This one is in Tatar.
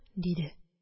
Диде